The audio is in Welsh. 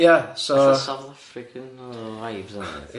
Fatha South African vibes ynddi?